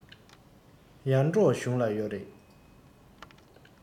ཡར འབྲོག གཞུང ལ ཡོག རེད